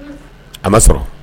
A ma sɔrɔ